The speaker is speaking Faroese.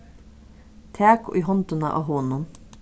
tak í hondina á honum